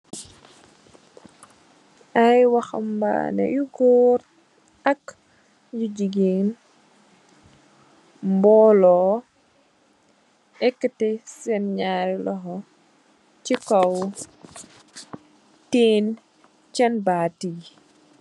Ay wahambaané yu góor ak yu jigéen, mboolo èkati senn ñaari loho chi kaw tènn senn baat yi.